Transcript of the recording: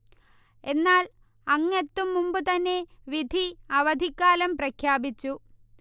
എന്നാൽ അങ്ങെത്തും മുമ്പുതന്നെ വിധി അവധിക്കാലം പ്രഖ്യാപിച്ചു